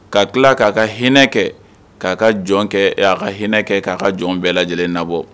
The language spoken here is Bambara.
Ka tila k'a ka hinɛ kɛ k'a ka jɔn kɛ'a ka hinɛ kɛ k'a ka jɔn bɛɛ lajɛlen nabɔ